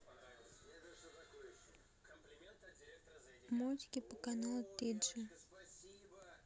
мультики по каналу тиджи